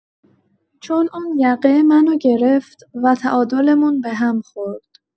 چون اون یقه منو گرفت و تعادلمون به هم خورد.